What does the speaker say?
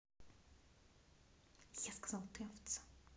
я сказал ты овца